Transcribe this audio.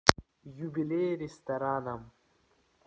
юбилей рестораном